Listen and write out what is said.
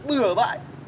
bừa bãi